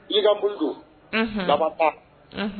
Iinabu kababata